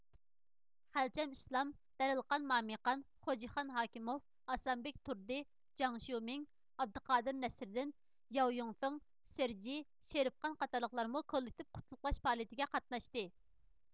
خەلچەم ئىسلام دەلىلقان مامىقان خوجىخان ھاكىموف ئاسانبېك تۇردى جاڭ شيۇمىڭ ئابدۇقادىر نەسىردىن ياۋ يۇڭفېڭ سېرجې شېرىپقان قاتارلىقلارمۇ كوللېكتىپ قۇتلۇقلاش پائالىيىتىگە قاتناشتى